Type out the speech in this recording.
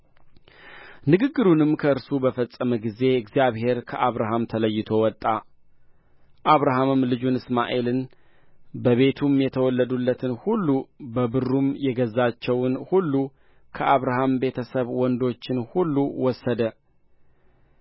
ንግግሩንም ከእርሱ ጋር በፈጸመ ጊዜ እግዚአብሔር ከአብርሃም ተለይቶ ወጣ አብርሃምም ልጁን እስማኤልን በቤቱም የተወለዱትን ሁሉ በብሩም የገዛቸውን ሁሉ ከአብርሃም ቤተ ሰብ ወንዶቹን ሁሉ ወሰደ